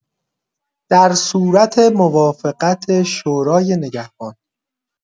در صورت موافقت شورای نگهبان